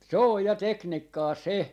se on ja tekniikkaa se